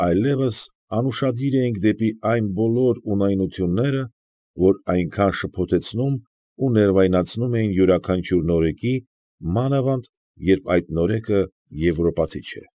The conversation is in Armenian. Այլևս անուշադիր էինք դեպի այն բոլոր ունայնությունները, որ այնքան շփոթեցնում ու ներվայնացնում են յուրաքանչյուր նորեկի, մանավանդ, երբ այդ նորեկը եվրոպացի չէ։